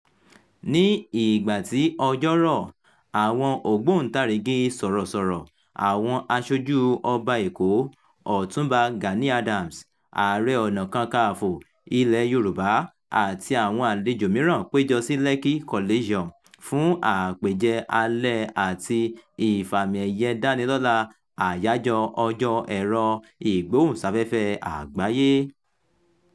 Ní ìgbàtí ọjọ́ rọ̀, àwọn ògbóǹtarìgì sọ̀rọ̀sọ̀rọ̀, àwọn aṣojú the Ọba Èkó, Ọ̀túnba Gani Adams, Ààrẹ Ọ̀nà Kakanfò ilẹ̀ẹ Yorùbá àti àwọn àlejò mìíràn péjọ sí Lekki Coliseum fún àpèjẹ alẹ́ àti ìfàmìẹ̀yẹ dánilọ́lá Àyájọ́ Ọjọ́ Ẹ̀rọ-ìgbóhùnsáfẹ́fẹ́ Àgbáyé.